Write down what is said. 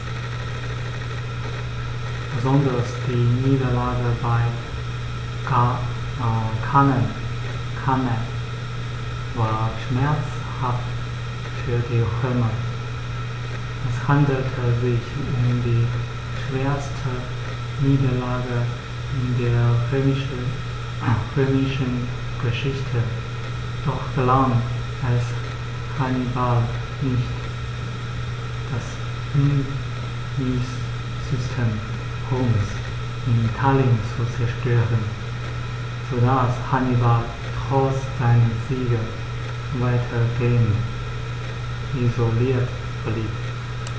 Besonders die Niederlage bei Cannae war schmerzhaft für die Römer: Es handelte sich um die schwerste Niederlage in der römischen Geschichte, doch gelang es Hannibal nicht, das Bündnissystem Roms in Italien zu zerstören, sodass Hannibal trotz seiner Siege weitgehend isoliert blieb.